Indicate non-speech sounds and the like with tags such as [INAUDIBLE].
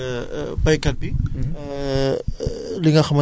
[HESITATION] [HESITATION] nee nañu tamit [HESITATION] baykat bi